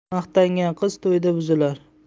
maqtangan qiz to'yda buzilar